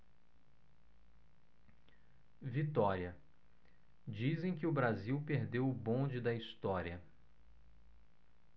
vitória dizem que o brasil perdeu o bonde da história